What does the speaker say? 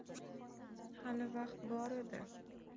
hali vaqt bor edi